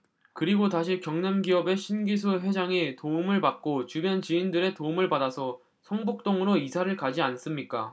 그리고 다시 경남기업의 신기수 회장의 도움을 받고 주변 지인들의 도움을 받아서 성북동으로 이사를 가지 않습니까